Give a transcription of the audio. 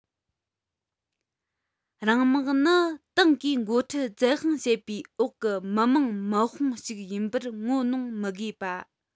རང དམག ནི ཏང གིས འགོ ཁྲིད གཙང བཙན བྱེད པའི འོག གི མི དམངས དམག དཔུང ཞིག ཡིན པར ངོ གནོང མི དགོས པ